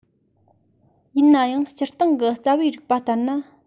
ཡིན ནའང སྤྱིར བཏང གི རྩ བའི རིགས པ ལྟར ན